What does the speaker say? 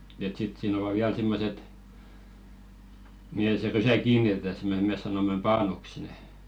että sitten siinä ovat vielä semmoiset mihin se rysä kiinnitetään - me me sanomme paanuksi ne